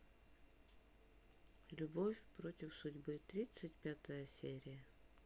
любовь против судьбы тридцать пятая серия